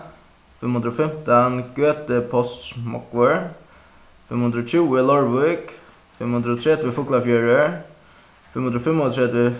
fimm hundrað og fimtan gøtu fimm hundrað og tjúgu leirvík fimm hundrað og tretivu fuglafjørður fimm hundrað og fimmogtretivu